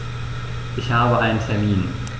Ich habe einen Termin.